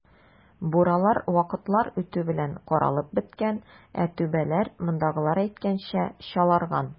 Буралар вакытлар үтү белән каралып беткән, ә түбәләр, мондагылар әйткәнчә, "чаларган".